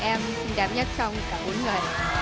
em đẹp nhất trong cả bốn người